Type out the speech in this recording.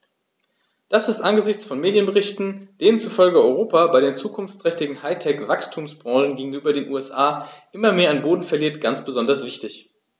Das ist angesichts von Medienberichten, denen zufolge Europa bei den zukunftsträchtigen High-Tech-Wachstumsbranchen gegenüber den USA immer mehr an Boden verliert, ganz besonders wichtig.